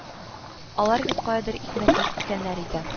Алар бит каядыр икмәккә киткәннәр иде